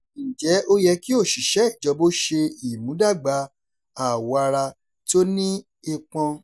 Ǹjẹ́ ó yẹ kí òṣìṣẹ́ ìjọba ó ṣe ìmúdàgbà àwọ̀-ara tí ó ní ipọn?